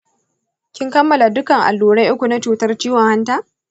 kin kammala dukkan allurai uku na cutar ciwon hanta?